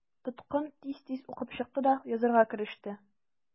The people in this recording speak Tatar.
Тоткын тиз-тиз укып чыкты да язарга кереште.